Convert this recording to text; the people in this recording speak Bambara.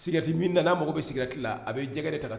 Sigati min nana mago bɛigatila a bɛ jɛgɛgɛɛrɛ ta